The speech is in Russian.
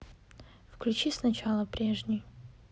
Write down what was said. включи сначала прежний